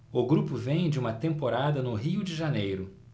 o grupo vem de uma temporada no rio de janeiro